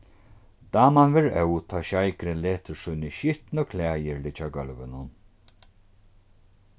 daman verður óð tá sjeikurin letur síni skitnu klæðir liggja á gólvinum